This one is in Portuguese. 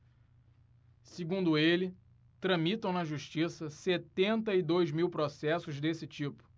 segundo ele tramitam na justiça setenta e dois mil processos desse tipo